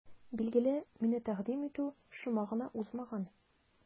Билгеле, мине тәкъдим итү шома гына узмаган.